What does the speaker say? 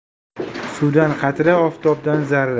suvdan qatra oftobdan zarra